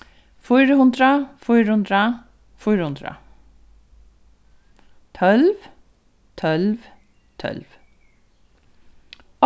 fýra hundrað fýra hundrað fýra hundrað tólv tólv tólv